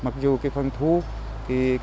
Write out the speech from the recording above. mặc dù các phần thu ký